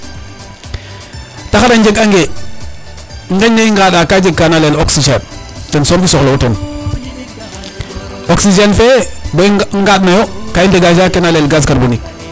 Taxar a njegangee nqeñ ne i nqaaɗaq ka jek ken layel oxygène ten soom i soxla'u teen oxygène fe bo i nqaaɗnayo ka i njega genre ke na layel gaz carbonique.